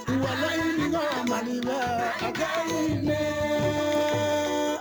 An ka Mali ba , Mali ka ɲin dee!